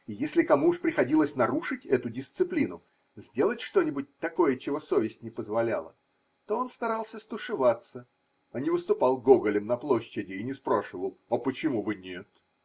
И если кому уж приходилось нарушить эту дисциплину, сделать что-нибудь таког, чего совесть не позволяла, то он старался стушеваться, а не выступал гоголем на площади и не спрашивал: А почему бы нет?